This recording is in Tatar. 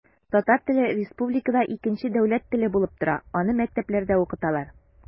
Татар теле республикада икенче дәүләт теле булып тора, аны мәктәпләрдә укыталар.